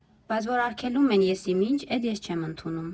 Բայց որ արգելում են, եսիմինչ, էդ ես չեմ ընդունում։